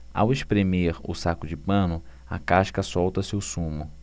ao espremer o saco de pano a casca solta seu sumo